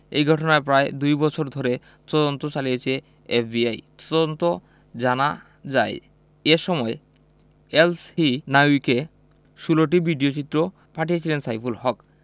এই ঘটনায় প্রায় দুই বছর ধরে তদন্ত চালিয়েছে এফবিআই তদন্ত জানা যায় এ সময় এলসহিনাউয়িকে ১৬টি ভিডিওচিত্র পাঠিয়েছিলেন সাইফুল হক